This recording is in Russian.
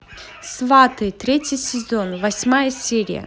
сваты третий сезон восьмая серия